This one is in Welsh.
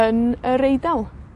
Yn yr Eidal.